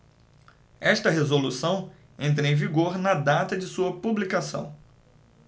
esta resolução entra em vigor na data de sua publicação